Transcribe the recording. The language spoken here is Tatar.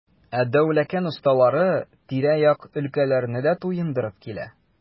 Ә Дәүләкән осталары тирә-як өлкәләрне дә туендырып килә.